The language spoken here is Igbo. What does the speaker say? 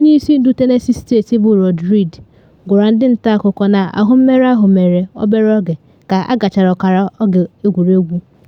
Onye isi ndu Tennessee State bụ Rod Reed gwara ndị nta akụkọ na ahụ mmerụ ahụ mere obere oge ka agachara ọkara oge egwuregwu.